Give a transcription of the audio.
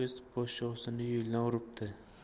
o'z podshosini yo'ldan uribdi